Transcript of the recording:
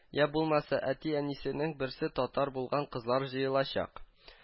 Йә булмаса әти-әнисенең берсе татар булган кызлар җыелачак